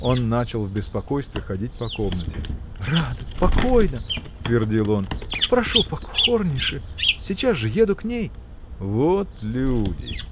Он начал в беспокойстве ходить по комнате. – Рада, покойна! – твердил он, – прошу покорнейше! сейчас же еду к ней. – Вот люди!